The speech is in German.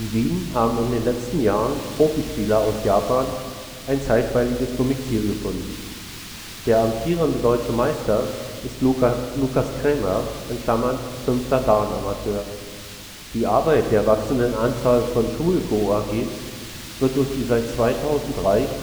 Wien haben in den letzten Jahren Profi-Spieler aus Japan ein zeitweiliges Domizil gefunden. Der amtierende deutsche Meister ist Lukas Krämer (5. Dan Amateur). Die Arbeit der wachsenden Anzahl von Schul-Go-AGs wird durch die seit 2003